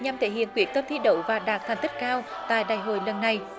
nhằm thể hiện quyết tâm thi đấu và đạt thành tích cao tại đại hội lần này